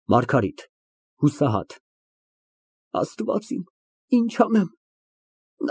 ՄԱՐԳԱՐԻՏ ֊ (Հուսահատ) Աստված իմ, ի՞նչ անեմ։